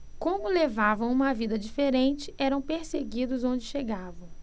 como levavam uma vida diferente eram perseguidos onde chegavam